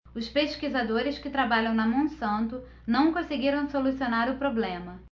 os pesquisadores que trabalham na monsanto não conseguiram solucionar o problema